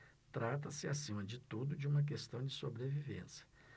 trata-se acima de tudo de uma questão de sobrevivência